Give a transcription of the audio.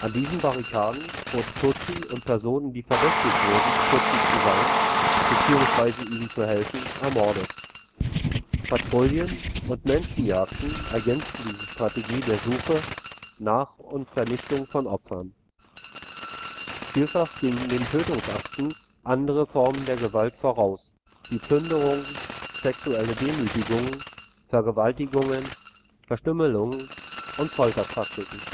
diesen Barrikaden wurden Tutsi und Personen, die verdächtigt wurden, Tutsi zu sein beziehungsweise ihnen zu helfen, ermordet. Patrouillen und Menschenjagden ergänzten diese Strategie der Suche nach und Vernichtung von Opfern. Vielfach gingen den Tötungsakten andere Formen der Gewalt voraus, wie Plünderungen, sexuelle Demütigungen, Vergewaltigungen, Verstümmelungen oder Folterpraktiken